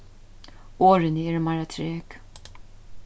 orðini eru meira trek